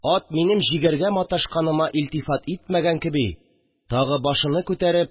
Ат, минем җигәргә маташканыма илтифат итмәгән кеби тагы башыны күтәреп